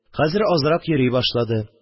Хәзер азрак йөри башлады